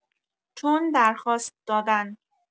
چون درخواست دادن